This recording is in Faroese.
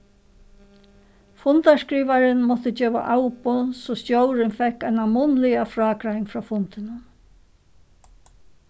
fundarskrivarin mátti geva avboð so stjórin fekk eina munnliga frágreiðing frá fundinum